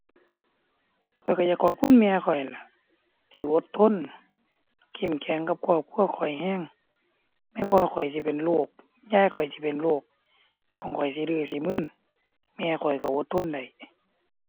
ข้อยก็อยากขอบคุณแม่ข้อยหั้นล่ะที่อดทน เข้มแข็งกับครอบครัวข้อยก็ แม้พ่อข้อยสิเป็นโรค ยายข้อยสิเป็นโรค น้องข้อยสิดื้อสิมึน แม่ข้อยก็อดทนได้